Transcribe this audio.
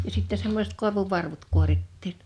ja sitten semmoiset koivunvarvut kuorittiin